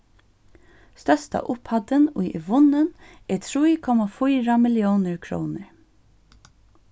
størsta upphæddin ið er vunnin er trý komma fýra milliónir krónur